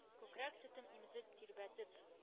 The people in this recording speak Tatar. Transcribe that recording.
Күкрәк сөтем имезеп, тирбәтеп,